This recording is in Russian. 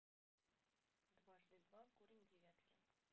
дважды два корень девяти